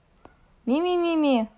мимими